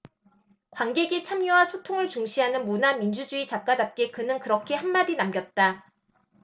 관객의 참여와 소통을 중시하는 문화민주주의 작가답게 그는 그렇게 한 마디 남겼다